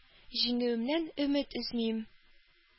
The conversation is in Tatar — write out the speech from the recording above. Җиңүемнән өмет өзмим,